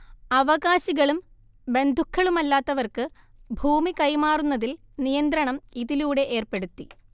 അവകാശികളും ബന്ധുക്കളുമല്ലാത്തവർക്ക് ഭൂമി കൈമാറുന്നതിൽ നിയന്ത്രണം ഇതിലൂടെ ഏർപ്പെടുത്തി